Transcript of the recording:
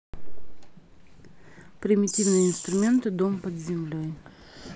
примитивные инструменты дом под землей